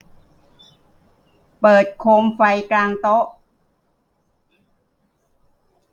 เปิดโคมไฟกลางโต๊ะ